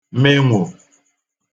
menwo